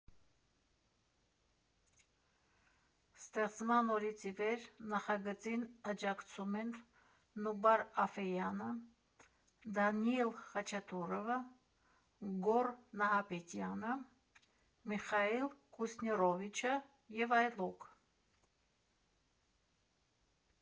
Ստեղծման օրից ի վեր նախագծին աջակցում են Նուբար Աֆեյանը, Դանիիլ Խաչատուրովը, Գոռ Նահապետյանը, Միխայիլ Կուսնիրովիչը և այլոք։